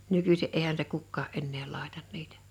nykyisin eihän se kukaan enää laita niitä